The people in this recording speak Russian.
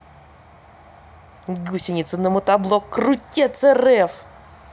гусеницы на мотоблок крутец рф